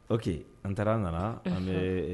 Ɔke an taara an nana an